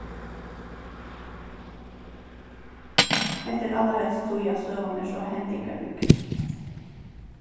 hetta er allarhelst tí at søgan er so hendingarík